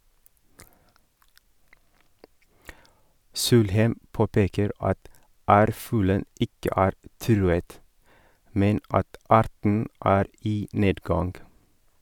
Solheim påpeker at ærfuglen ikke er truet, men at arten er i nedgang.